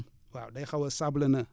waaw day xaw a sableuneux